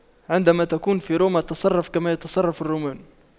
عندما تكون في روما تصرف كما يتصرف الرومان